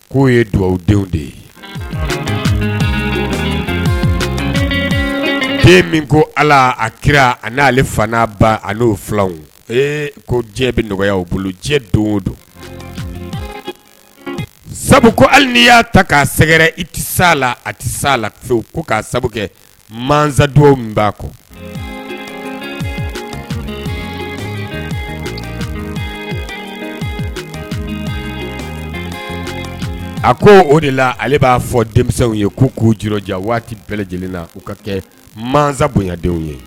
K'o ye dugawu denw de ye e min ko ala a kira a n'ale fana bao filanw ko jɛ bɛ nɔgɔya bolo jɛ don don sabu ko hali n'i y'a ta k'a sɛgɛrɛ i tɛ la a tɛ la ko k'a sabu kɛ masa don min b'a kɔ a ko o de la ale b'a fɔ denmisɛnww ye k'u k'u juru waati bɛɛ lajɛlenna u ka kɛ mansa bonyadenw ye